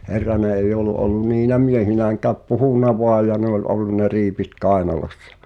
Herranen ei ollut ollut niinä miehinäkään puhunut vain ja ne oli ollut ne riipit kainalossa